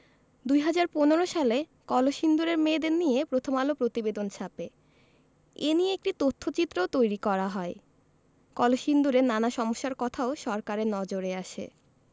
২০১৫ সালে কলসিন্দুরের মেয়েদের নিয়ে প্রথম আলো প্রতিবেদন ছাপে এ নিয়ে একটি তথ্যচিত্রও তৈরি করা হয় কলসিন্দুরের নানা সমস্যার কথাও সরকারের নজরে আসে